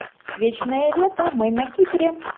вечное лето мы на кипре